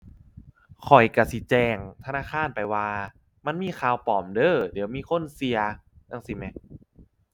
ข้อยก็สิแจ้งธนาคารไปว่ามันมีข่าวปลอมเด้อ เดี๋ยวมีคนก็จั่งซี้แหม